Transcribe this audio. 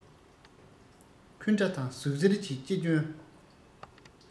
འཁུན སྒྲ དང ཟུག གཟེར གྱིས ཅི སྐྱོན